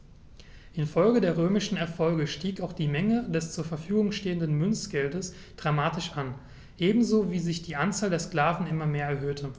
Infolge der römischen Erfolge stieg auch die Menge des zur Verfügung stehenden Münzgeldes dramatisch an, ebenso wie sich die Anzahl der Sklaven immer mehr erhöhte.